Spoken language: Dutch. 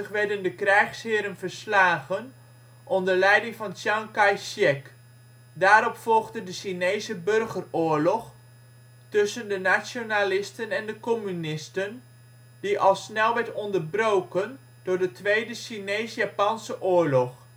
werden de krijgsheren verslagen onder leiding van Chiang Kai-shek. Daarop volgde de Chinese Burgeroorlog tussen de nationalisten en communisten, die al snel werden onderbroken door de Tweede Chinees-Japanse Oorlog